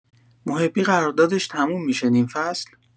محبی قراردادش تموم می‌شه نیم‌فصل؟